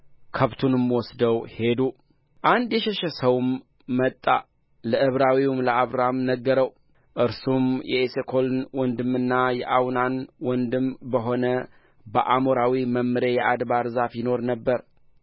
ከብቱንም ወስደው ሄዱ አንድ የሸሸ ሰውም መጣ ለዕብራዊው ለአብራምም ነገረው እርሱም የኤስኮል ወንድምና የአውናን ወንድም በሆነ በአሞራዊ መምሬ የአድባር ዛፍ ይኖር ነበር